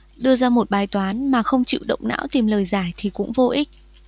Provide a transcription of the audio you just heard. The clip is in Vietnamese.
đưa ra một bài toán mà không chịu động não tìm lời giải thì cũng vô ích